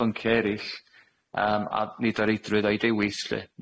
o byncia erill yym a nid o reidrwydd o'i dewis lly